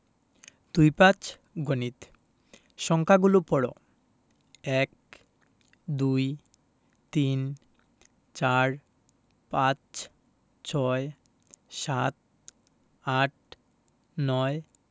২৫ গণিত সংখ্যাগুলো পড়ঃ ১ - এক ২ - দুই ৩ - তিন ৪ – চার ৫ – পাঁচ ৬ - ছয় ৭ - সাত ৮ - আট ৯ - নয়